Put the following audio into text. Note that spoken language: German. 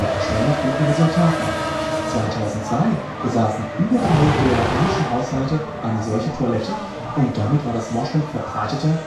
erstaunlich guten Resultaten. 2002 besaßen über die Hälfte der japanischen Haushalte eine solche Toilette, und damit war das Washlet verbreiteter